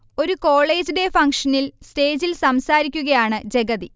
ഒരു college day ഫംഗ്ഷനിൽ സ്റ്റേജിൽ സംസാരിക്കുകയാണ് ജഗതി